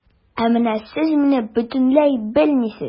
Ә менә сез мине бөтенләй белмисез.